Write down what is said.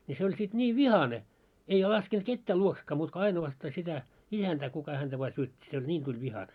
niin se oli sitten niin vihainen ei laskenut ketään luoksekaan muuta kuin ainoastaan sitä isäntää kuka häntä vain syötti se oli niin tuli vihainen